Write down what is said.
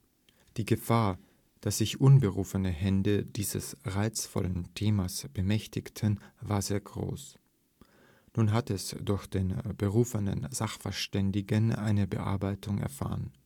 Die Gefahr, dass sich unberufene Hände dieses reizvollen Themas bemächtigten, war sehr groß. Nun hat es durch den berufensten Sachverständigen eine Bearbeitung erfahren